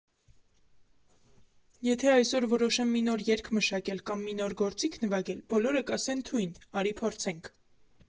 Եթե այսօր որոշեմ մի նոր երգ մշակել, կամ մի նոր գործիք նվագել, բոլորը կասեն՝ թույն, արի փորձենք։